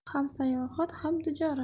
ham sayohat ham tijorat